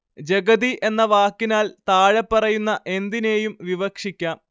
ജഗതി എന്ന വാക്കിനാൽ താഴെപ്പറയുന്ന എന്തിനേയും വിവക്ഷിക്കാം